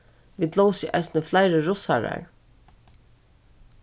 vit lósu eisini fleiri russarar